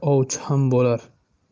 ovchi ham bo'lar